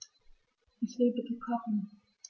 Ich will bitte kochen.